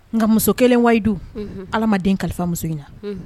Ŋa muso 1 Wayidu unhun Ala ma den kalifa muso in na unh